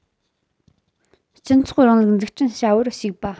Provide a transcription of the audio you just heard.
སྤྱི ཚོགས རིང ལུགས འཛུགས སྐྲུན བྱ བར ཞུགས པ